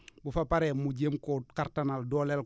bu fa paree mu jéem koo kattanal dooleel